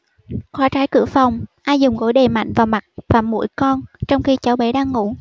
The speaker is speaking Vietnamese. khóa trái cửa phòng a dùng gối đè mạnh vào mặt và mũi con trong khi cháu bé đang ngủ